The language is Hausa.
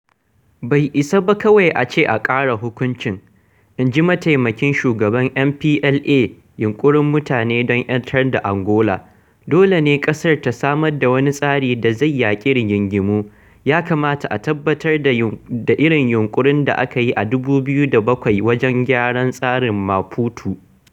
Bai isa ba kawai a ce a ƙara hukuncin, in ji mataimakin shugaban MPLA [Yunƙurin Mutane don 'Yantar da Angola], dole ne ƙasar ta samar da wani tsari da zai yaƙi rigingimu - ya kamata a tabbatar da irin yunƙurin da aka yi a 2007 wajen gyara tsarin Maputo.